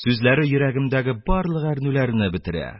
Сүзләре йөрәгемдәге барлык әрнүләрне бетерә,